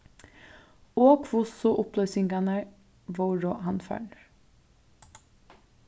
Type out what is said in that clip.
og hvussu upplýsingarnar vóru handfarnir